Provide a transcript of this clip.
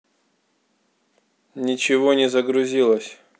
ничего не загрузилось